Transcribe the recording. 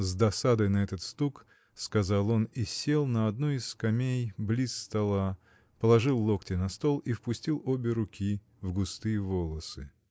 — с досадой на этот стук сказал он и сел на одну из скамей близ стола, положил локти на стол и впустил обе руки в густые волосы.